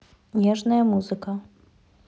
нежная музыка